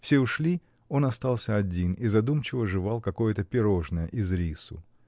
все ушли, он остался один и задумчиво жевал какое-то пирожное из рису.